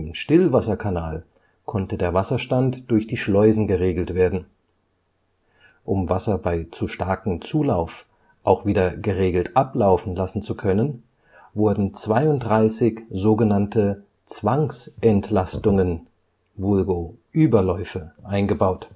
Stillwasserkanal konnte der Wasserstand durch die Schleusen geregelt werden. Um Wasser bei zu starkem Zulauf auch wieder geregelt ablaufen lassen zu können, wurden 32 sogenannte Zwangsentlastungen (Überläufe) eingebaut